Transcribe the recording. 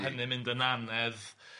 ...a hynny'n mynd yn anhedd.